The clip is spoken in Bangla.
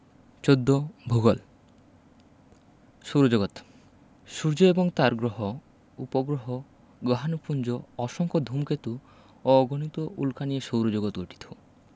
১৪ ভূগোল সৌরজগৎ সূর্য এবং তার গ্রহ উপগ্রহ গহাণুপুঞ্জ অসংখ্য ধুমকেতু ও অগণিত উল্কা নিয়ে সৌরজগৎ গঠিত